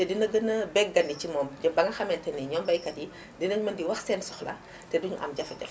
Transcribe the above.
te dina gën a bengandi ci moom ba nga xamante ni ñoom baykat yi dinañu mën di wax seen soxlate duñu am jafe-jafe